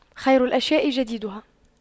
خير الأشياء جديدها